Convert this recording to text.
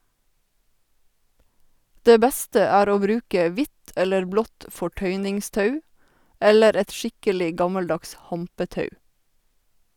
Det beste er å bruke hvitt eller blått fortøyningstau eller et skikkelig gammeldags hampetau.